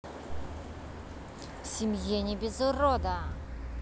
в семье не без урода